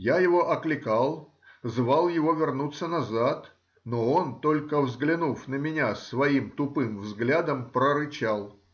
Я его окликал, звал его вернуться назад, но он, только взглянув на меня своим тупым взглядом, прорычал